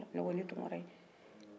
i tɛ fɛn dɔn k'e n'i fa tɛ baro kɛ wa